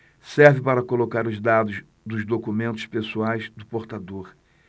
serve para colocar os dados dos documentos pessoais do portador